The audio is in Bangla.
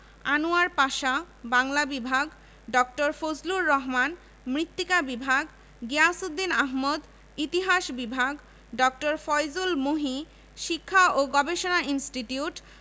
আনোয়ার পাশা বাংলা বিভাগ ড. ফজলুর রহমান মৃত্তিকা বিভাগ গিয়াসউদ্দিন আহমদ ইতিহাস বিভাগ ড. ফয়জুল মহি শিক্ষা ও গবেষণা ইনস্টিটিউট